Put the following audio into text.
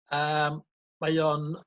Yym mae o'n